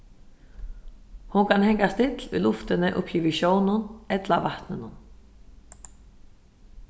hon kann hanga still í luftini uppi yvir sjónum ella vatninum